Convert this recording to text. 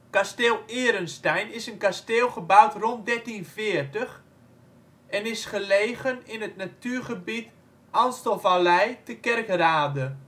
Kasteel Erenstein is een kasteel gebouwd rond 1340 en is gelegen in het natuurgebied Anstelvallei te Kerkrade